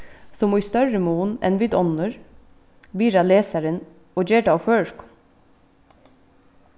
sum í størri mun enn vit onnur virða lesarin og ger tað á føroyskum